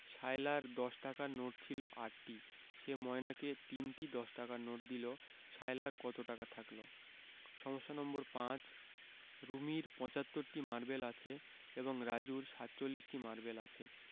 সায়লার দশ টাকার নোট ছিল ৮টি সে ময়নাকে ৩টি দশ টাকার নোট দিল সায়লার কত টাকা থাকল সমস্যা নম্বর ৫ রুমির ৭৫টি মারবেল আছে এবং রাজুর ৪৭টি মারবেল আছে